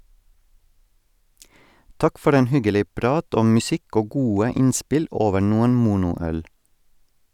Takk for en hyggelig prat om musikk og gode innspill over noen Monoøl.